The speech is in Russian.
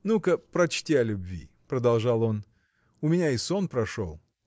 – Ну-ка, прочти о любви, – продолжал он, – у меня и сон прошел.